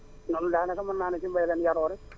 ñoom daanaka mën naa ne si mbéy la ñu yaroo rek